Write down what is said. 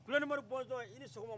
filanimɔri bɔnsɔn i ni sɔgɔma